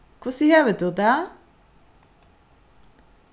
hvussu hevur tú tað